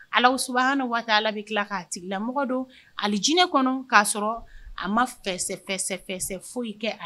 Ala s tila k' tigila don jinɛ kɔnɔ k'a sɔrɔ a ma fɛsɛ foyi kɛ